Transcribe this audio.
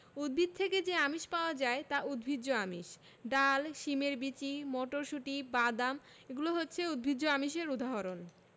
উদ্ভিদ থেকে যে আমিষ পাওয়া যায় তা উদ্ভিজ্জ আমিষ ডাল শিমের বিচি মটরশুঁটি বাদাম হচ্ছে উদ্ভিজ্জ আমিষের উদাহরণ